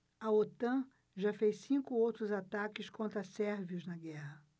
a otan já fez cinco outros ataques contra sérvios na guerra